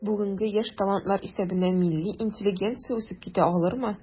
Бүгенге яшь талантлар исәбенә милли интеллигенция үсеп китә алырмы?